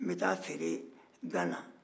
n bɛ ta'a feere gana